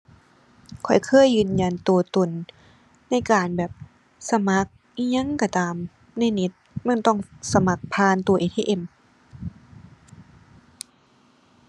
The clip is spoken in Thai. ข้อยเคยยืนยันตัวตน ในการแบบสมัครอิหยังตัวตาม ในเน็ตมันต้องสมัครผ่านตู้ ATM